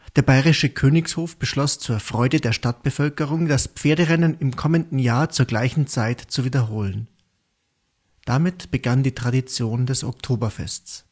Der bayerische Königshof beschloss zur Freude der Stadtbevölkerung, das Pferderennen im kommenden Jahr zur gleichen Zeit zu wiederholen. Damit begann die Tradition des Oktoberfests